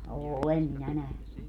olen minä nähnyt